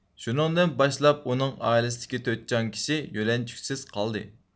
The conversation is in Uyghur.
شۇنىڭدىن باشلاپ ئۇنىڭ ئائىلىسىدىكى تۆت جان كىشى يۆلەنچۈكسىز قالغان